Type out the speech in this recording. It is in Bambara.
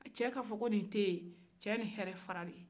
cɛ k'a fɔ ko nin tɛ yen cɛ ni hɛrɛ farala